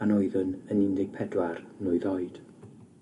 pan oeddwn yn un deg pedwar mlwydd oed.